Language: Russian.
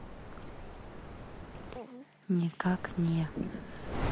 не как не